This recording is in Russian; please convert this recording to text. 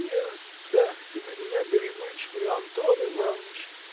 – Не оставьте вы меня, горемычную, Антон Иваныч!